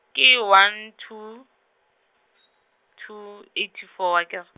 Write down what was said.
ke one two , two eighty four a ke r-?